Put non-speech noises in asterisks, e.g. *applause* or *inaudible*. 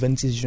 *hesitation* *hesitation*